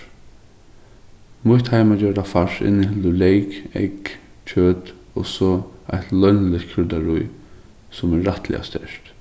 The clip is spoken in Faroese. mítt heimagjørda fars inniheldur leyk egg kjøt og so eitt loyniligt kryddarí sum er rættiliga sterkt